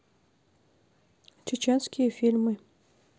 чеченские фильмы